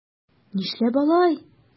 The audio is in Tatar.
Нишләп алай?